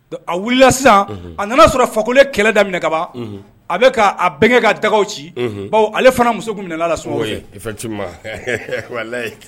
Don a wulila sisan a nana sɔrɔ fako kɛlɛ da minɛ kaban a bɛ ka a bɛn ka daga ci ale fana muso minɛ ala la so